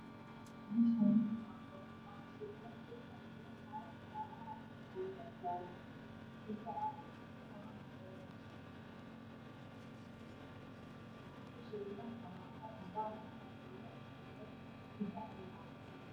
Meshni waa boor waxa kusawiran gesac io cag jale ah io qado jale ah gesaca waxa kugoran boorash waxa kusawiran garafo cadan ah cano kusawiran gescan waa cadan